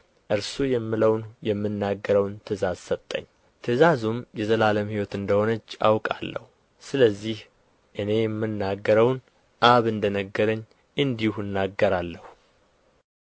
እርሱ የምለውን የምናገረውንም ትእዛዝ ሰጠኝ ትእዛዙም የዘላለም ሕይወት እንደ ሆነች አውቃለሁ ስለዚህ እኔ የምናገረውን አብ እንደ ነገረኝ እንዲሁ እናገራለሁ